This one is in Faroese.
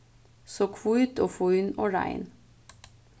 so hvít og fín og rein